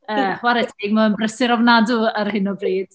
Yy chware teg mae'n brysur ofnadw ar hyn o bryd.